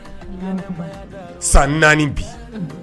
San naani bi